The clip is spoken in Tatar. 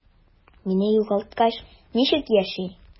Мине югалткач, ничек яши?